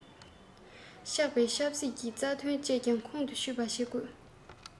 ཆགས པའི ཆབ སྲིད ཀྱི རྩ དོན བཅས ཀྱང ཁོང དུ ཆུད པ བྱེད དགོས